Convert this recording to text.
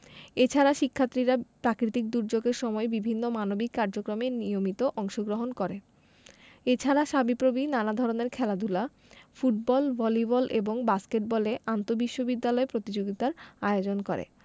এছাড়া শিক্ষার্থীরা প্রাকৃতিক দূর্যোগের সময় বিভিন্ন মানবিক কার্যক্রমে নিয়মিত অংশগ্রহণ করে এছাড়া সাবিপ্রবি নানা ধরনের খেলাধুলা ফুটবল ভলিবল এবং বাস্কেটবলে আন্তঃবিশ্ববিদ্যালয় প্রতিযোগিতার আয়োজন করে